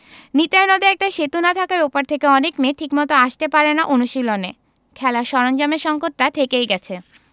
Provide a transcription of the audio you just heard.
নিতাই নদে একটা সেতু না থাকায় ও পার থেকে অনেক মেয়ে ঠিকমতো আসতে পারে না অনুশীলনে খেলার সরঞ্জামের সংকটটা থেকেই গেছে